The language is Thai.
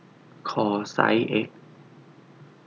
ขอไซส์เอ็กซ์